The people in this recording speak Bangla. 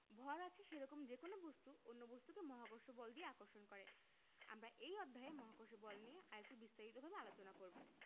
ভর আছে সেরকম যেকোনো বস্তু অন্য বস্তুকে মহাকর্ষ বল দিয়ে আকর্ষণ করে আমরা এই অধ্যায়ে মহাকর্ষ বল নিয়ে আরেকটু বিস্তারিতভাবে আলোচনা করব